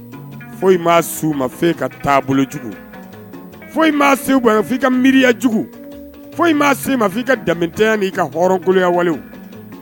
Ka ka miiriya ma i ka daɛnya kakoloyawale